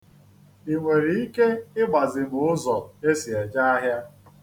I nwere ike ịgbazi m ụzọ e si eje ahịa.